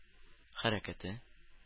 Хәрәкәте